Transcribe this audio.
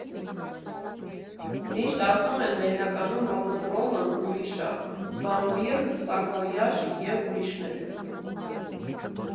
Միշտ ասում են՝ Լեննականում ռոքընռոլն ուրիշ ա՝ «Բամբիռ», «Սակվոյաժ» և ուրիշներ։